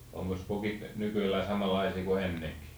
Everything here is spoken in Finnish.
onkos vokit nykyään samanlaisia kuin ennen